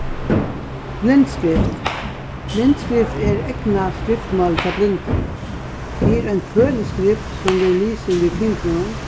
blindskrift blindskrift er egna skriftmálið hjá blindum tað er ein føliskrift sum verður lisin við fingrunum